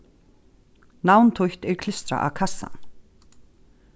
navn títt er klistrað á kassan